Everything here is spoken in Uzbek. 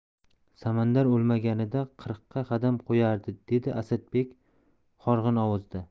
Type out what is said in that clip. samandar o'lmaganida qirqqa qadam qo'yardi dedi asadbek horg'in ovozda